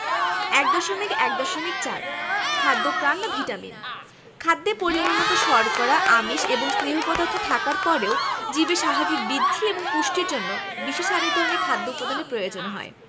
১.১.৪ খাদ্যপ্রাণ বা ভিটামিন খাদ্যে পরিমাণমতো শর্করা আমিষ এবং স্নেহ পদার্থ থাকার পরেও জীবের স্বাভাবিক বৃদ্ধি এবং পুষ্টির জন্য বিশেষ আরেক ধরনের খাদ্য উপাদানের প্রয়োজন হয়